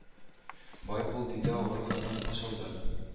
Бай бул диде авыру хатын пышылдап